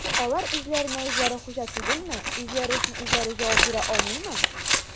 Алар үзләренә-үзләре хуҗа түгелме, үзләре өчен үзләре җавап бирә алмыймы?